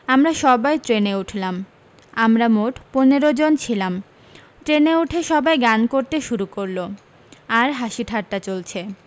আমরা সবাই ট্রেন এ উঠলাম আমরা মোট পনেরো জন ছিলাম ট্রেনে উঠে সবাই গান করতে সুরু করল আর হাসি ঠাট্টা চলছে